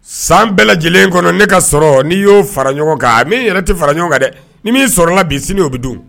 San bɛɛ lajɛlen kɔnɔ ne ka sɔrɔ ni y'o fara ɲɔgɔn kan a min yɛrɛ tɛ fara ɲɔgɔn kan dɛ ni min sɔrɔla bi sini o bɛ dun